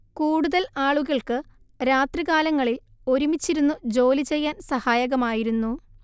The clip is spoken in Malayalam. കൂടുതൽ ആളുകൾക്ക് രാത്രികാലങ്ങളിൽ ഒരുമിച്ചിരുന്നു ജോലിചെയ്യാൻ സഹായകമായിരുന്നു